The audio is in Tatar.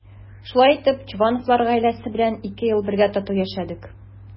Шулай итеп Чувановлар гаиләсе белән ике ел бергә тату яшәдек.